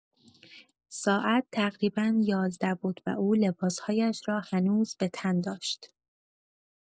ساعت تقریبا یازده بود و او لباس‌هایش را هنوز به تن داشت.